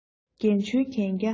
འགན བཅོལ གན རྒྱ